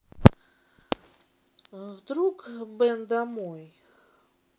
вдруг ben домой